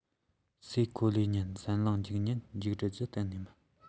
སའི གོ ལའི ཉིན འཛམ གླིང འཇིག ཉིན མཇུག བསྒྲིལ རྒྱུ གཏན ནས མིན